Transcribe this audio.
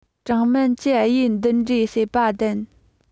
ཀྲང མན གྱིས གཡུ འདི འདྲའི བཤད པ བདེན